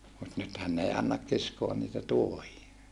mutta nythän ne ei anna kiskoa niitä tuohia